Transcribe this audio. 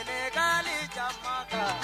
Tileli ja kan